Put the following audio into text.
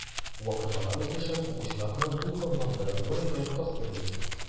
Вакыйгалар үсешен укучыларны дулкынландырырлык итеп тасвирлый.